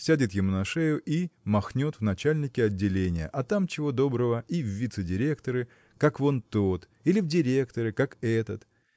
сядет ему на шею и махнет в начальники отделения а там чего доброго и в вице-директоры как вон тот или в директоры как этот